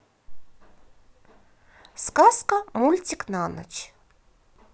сказка мультик на ночь